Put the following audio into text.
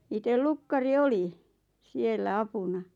itse lukkari oli siellä apuna